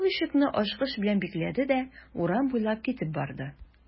Ул ишекне ачкыч белән бикләде дә урам буйлап китеп барды.